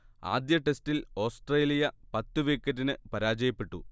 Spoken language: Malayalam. ആദ്യ ടെസ്റ്റിൽ ഓസ്ട്രേലിയ പത്ത് വിക്കറ്റിന് പരാജയപ്പെട്ടു